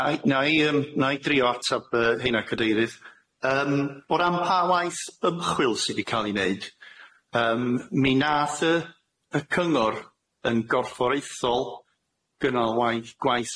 Na'i na'i yym na'i drio atab yy heina cadeirydd yym o ran pa waith ymchwil sydd i ca'l ei wneud yym mi nath y y cyngor yn gorfforaethol gynnal waith gwaith